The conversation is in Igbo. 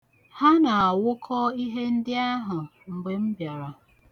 Ha na-awụkọ ihe ndị ahụ mgbe m bịara.